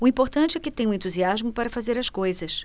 o importante é que tenho entusiasmo para fazer as coisas